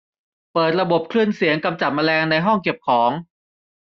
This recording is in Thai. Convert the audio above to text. เปิดระบบคลื่นเสียงกำจัดแมลงในห้องเก็บของ